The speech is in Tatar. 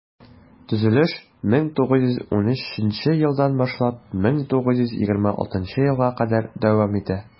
Төзелеш 1913 елдан башлап 1926 елга кадәр дәвам итә.